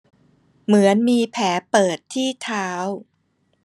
เหมือนมีแผลเปิดที่เท้า